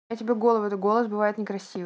я тебе голову это голос бывает не красивей